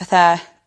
fatha